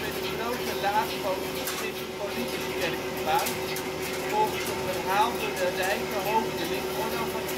de grote laat-gotische Sint-Hippolytuskerk gebouwd (volgens een verhaal door de rijke hoofdeling Onno van